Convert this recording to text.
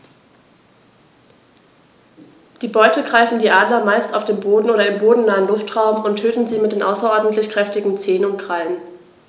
Die Beute greifen die Adler meist auf dem Boden oder im bodennahen Luftraum und töten sie mit den außerordentlich kräftigen Zehen und Krallen.